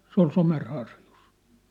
se oli Somerharjussa